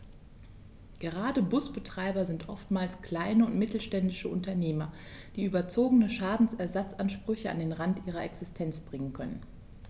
Gerade Busbetreiber sind oftmals kleine und mittelständische Unternehmer, die überzogene Schadensersatzansprüche an den Rand ihrer Existenz bringen können.